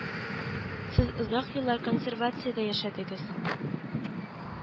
Сез озак еллар консервациядә яшәдегез